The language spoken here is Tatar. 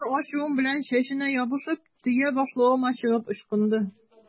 Бар ачуым белән чәченә ябышып, төя башлавыма чыгып ычкынды.